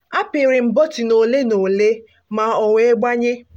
Apịrịm bọtịnụ ole na ole ma o wee gbanye